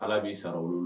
Ala b'i sara wolo